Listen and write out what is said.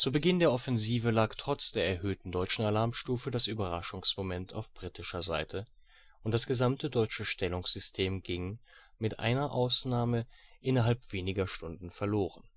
Beginn der Offensive lag trotz der erhöhten deutschen Alarmstufe das Überraschungsmoment auf britischer Seite und das gesamte deutsche Stellungssystem ging, mit einer Ausnahme, innerhalb weniger Stunden verloren